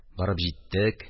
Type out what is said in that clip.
Барып җиттек